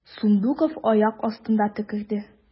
Сундуков аяк астына төкерде.